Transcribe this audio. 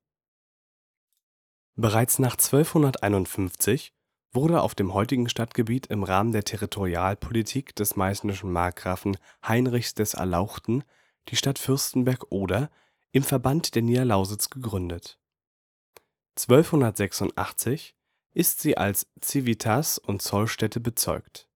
Bereits nach 1251 wurde auf dem heutigen Stadtgebiet im Rahmen der Territorialpolitik des meißnischen Markgrafen Heinrichs des Erlauchten die Stadt Fürstenberg (Oder) im Verband der Niederlausitz gegründet. 1286 ist sie als Civitas und Zollstätte bezeugt